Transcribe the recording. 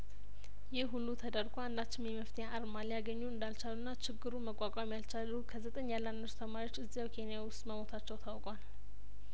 ይህ ሁሉ ተደርጐ አንዳችም የመፍትሄ አርማ ሊያገኙ እንዳል ቻሉና ችግሩን መቋቋም ያልቻሉ ከዘጠኝ ያላነሱ ተማሪዎች እዚያው ኬንያውስጥ መሞታቸው ታውቋል